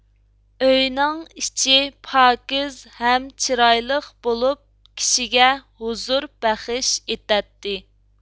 ئۆينىڭ ئىچى پاكىز ھەم چىرايلىق بولۇپ كىشىگە ھۇزۇر بەخش ئېتەتتى